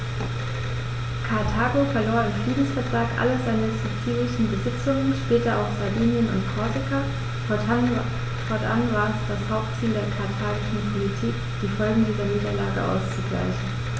Karthago verlor im Friedensvertrag alle seine sizilischen Besitzungen (später auch Sardinien und Korsika); fortan war es das Hauptziel der karthagischen Politik, die Folgen dieser Niederlage auszugleichen.